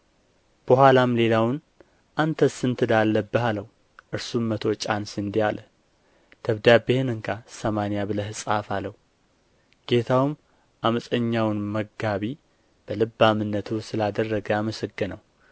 በኋላም ሌላውን አንተስ ስንት ዕዳ አለብህ አለው እርሱም መቶ ጫን ስንዴ አለ ደብዳቤህን እንካ ሰማንያ ብለህም ጻፍ አለው ጌታውም ዓመፀኛውን መጋቢ በልባምነት ስላደረገ አመሰገነው